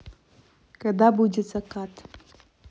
когда будет закат